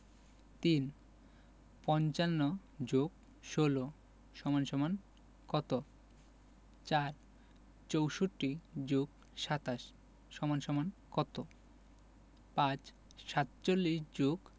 ৩ ৫৫ + ১৬ = কত ৪ ৬৪ + ২৭ = কত ৫ ৪৭ +